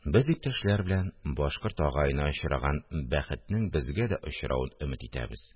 Без иптәшләр белән башкорт агаена очраган бәхетнең безгә дә очравын өмет итәбез